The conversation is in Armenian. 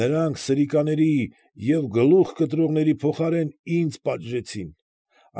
Նրանք սրիկաների և գլուխ կտրողների փոխարեն ինձ պատժեցին։